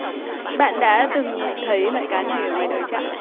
bạn đã từng nhìn thấy loại cá này ở ngoài đời chưa ạ